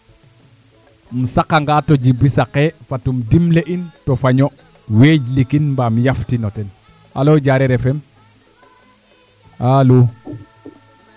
um saqanga to Djiby saqee fat um dimle in to fañ o weej likin mbaa um yaftin o ten alo Diarer Fm alo